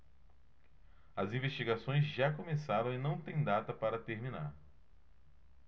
as investigações já começaram e não têm data para terminar